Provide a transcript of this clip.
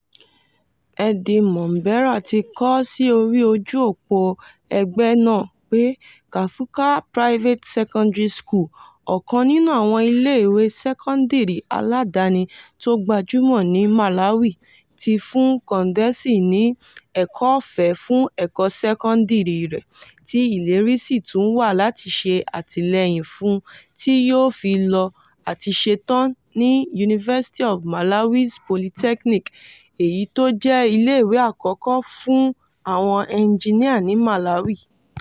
Eddie Mombera ti kọọ́ sí orí ojú òpó ẹgbẹ́ náà pé Kaphuka Private Secondary School, ọkàn nínú àwọn iléèwé sẹ́kọ́ndírì aládáni tó gbajúmọ̀ ní Malawi, ti fún Kondesi ní "ẹ̀kọ́ ọ̀fẹ́ fún ẹ̀kọ́ sẹ́kọ́ndírì rẹ̀" tí ìlérí sì tún wà láti ṣe àtìlẹyìn fún tí yóò fi lọ àti setán ní University of Malawi's Polytechnic, èyí tó jẹ́ iléèwé àkọ́kọ́ fún àwọn ẹnjiníà ní Malawi.